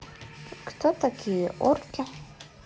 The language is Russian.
кто такие орки